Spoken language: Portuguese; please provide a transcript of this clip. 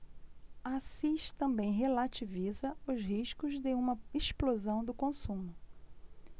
assis também relativiza os riscos de uma explosão do consumo